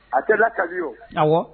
A kɛ da k'a di o; awɔ.